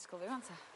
Atgofian 'ta.